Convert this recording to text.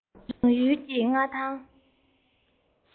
རང ཡུལ གྱི མངའ ཐང